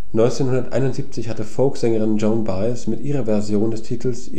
1971 hatte Folk-Sängerin Joan Baez mit ihrer Version des Titels